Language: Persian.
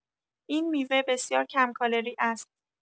این میوه بسیار کم‌کالری است.